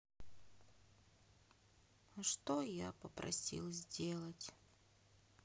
а что я попросил сделать